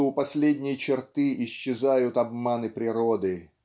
что у последней черты исчезают обманы природы